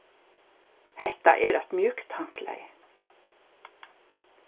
hetta er eitt mjúkt handklæði